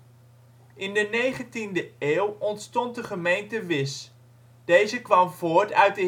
In de 19e eeuw ontstond de gemeente Wisch. Deze kwam voort uit